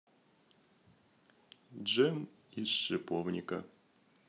джем из шиповника